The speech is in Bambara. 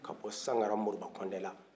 ka bɔ sangara moriba kɔnte la